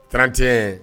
Tti